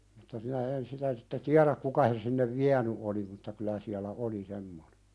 mutta minä en sitä sitten tiedä kuka sen sinne vienyt oli mutta kyllä siellä oli semmoinen